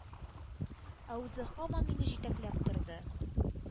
Ә үзе һаман мине җитәкләп торды.